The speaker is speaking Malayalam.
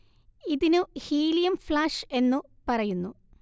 ഇതിനു ഹീലിയം ഫ്ലാഷ് എന്നു പറയുന്നു